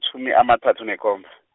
-tjhumi amathathu nekhomba.